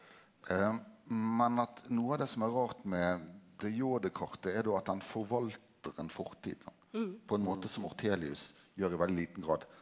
men at noko av det som er rart med de Jode-kartet er då at den forvaltar ein fortid sant på ein måte som Ortelius gjer i veldig liten grad.